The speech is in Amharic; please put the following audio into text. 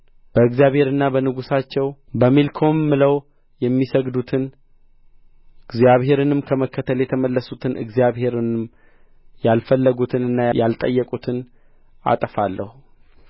በእግዚአብሔርና በንጉሣቸው በሚልኮም ምለው የሚሰግዱትን እግዚአብሔርንም ከመከተል የተመለሱትን እግዚአብሔርንም ያልፈለጉትንና ያልጠየቁትን አጠፋለሁ